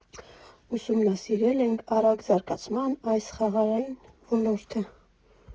Ուսումնասիրել ենք արագ զարգացող այս խաղային ոլորտը։